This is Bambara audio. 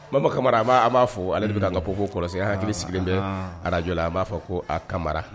Mama Camara an b'a fo , a le de bɛ ka an ka koko kɔlɔsi an hakili sigilen ne radio la, an b'a fɔ ko a Camara